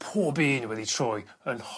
pob un wedi troi yn